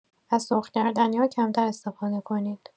از سرخ‌کردنی‌ها کمتر استفاده کنید.